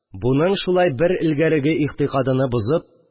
Буның шулай, бер элгәреге игътикадыны бозып